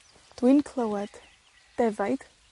Dwi'n clywed defaid,